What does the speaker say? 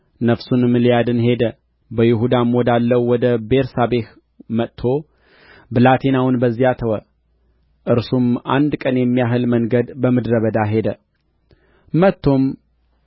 ነፍሱንም ሊያድን ሄደ በይሁዳም ወዳለው ወደ ቤርሳቤህ መጥቶ ብላቴናውን በዚያ ተወ እርሱም አንድ ቀን የሚያህል መንገድ በምድረ በዳ ሄደ መጥቶም